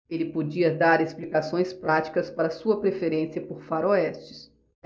ele podia dar explicações práticas para sua preferência por faroestes